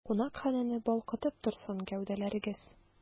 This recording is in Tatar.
Кунакханәне балкытып торсын гәүдәләрегез!